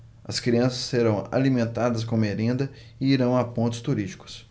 as crianças serão alimentadas com merenda e irão a pontos turísticos